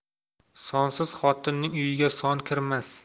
sonsiz xotinning uyiga son kirmas